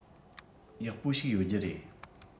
ཡག པོ ཞིག ཡོད རྒྱུ རེད